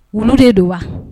Wulu de don wa